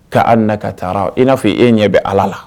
Ka a na katara i n'a fɔ e ɲɛ bɛ Ala la.